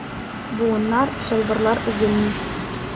Буыннар, чылбырлар өзелми.